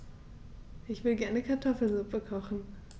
Ich will gerne Kartoffelsuppe kochen.